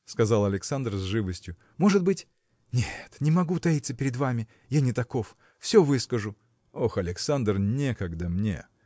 – сказал Александр с живостью, – может быть. нет, не могу таиться перед вами. Я не таков, все выскажу. – Ох, Александр, некогда мне